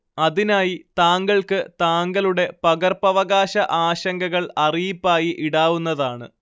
അതിനായി താങ്കൾക്ക് താങ്കളുടെ പകർപ്പവകാശ ആശങ്കകൾ അറിയിപ്പായി ഇടാവുന്നതാണ്